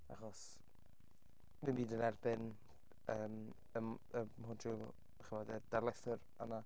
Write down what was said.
Achos dim byd yn erbyn yym y m- y modiwl, chimod, yr darlithwyr yna.